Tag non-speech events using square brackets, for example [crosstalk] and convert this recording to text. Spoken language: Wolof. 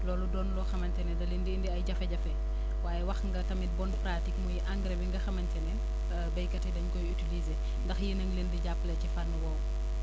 loolu doon loo xamante ni da leen di indil ay jafe-jafe [breath] waaye wax nga tamit bonne pratique muy engrais bi nga xamante ne [hesitation] béykat yi dañ koy utiliser ndax yéen a ngi leen di jàppale ci fànn woowu